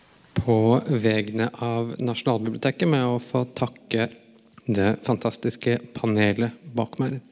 på vegne av Nasjonalbiblioteket, må jeg òg få takke det fantastiske panelet bak meg.